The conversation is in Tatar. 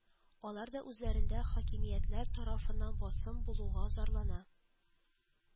Алар да үзләрендә хакимиятләр тарафыннан басым булуга зарлана